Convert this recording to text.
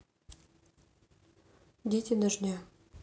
дети дождя